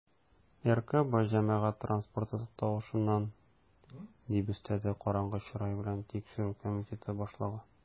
"ркб җәмәгать транспорты тукталышыннан", - дип өстәде караңгы чырай белән тикшерү комитеты башлыгы.